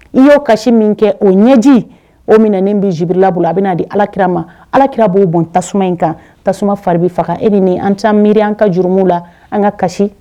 I y'o kasi min kɛ o ɲɛji o minna na ni bɛ jibirilila bolo a bɛna di alakira ma alakira b'o bɔn tasuma in kan tasuma fari bɛ faga e bɛ nin an taa miiri an ka juruw la an ka kasi